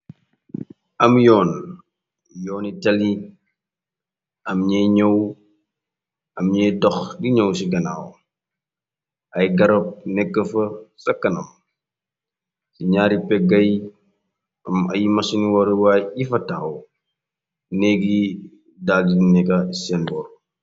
Am yoon, yooni tali am ñey ñaw, am ñey dox di ñëw ci ganaaw, ay garab nekk fa sa kanam, ci ñaari peggayi am ay masiniworuwaay yu fa taxaw, neegi daldi neka seen boor.